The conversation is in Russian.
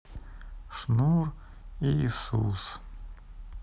шнур иисус